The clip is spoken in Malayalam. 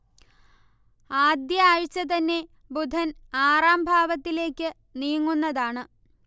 ആദ്യ ആഴ്ച തന്നെ ബുധൻ ആറാം ഭാവ്തിലെക്ക് നീങ്ങുന്നതാണ്